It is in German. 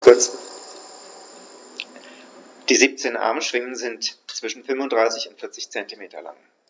Die 17 Armschwingen sind zwischen 35 und 40 cm lang.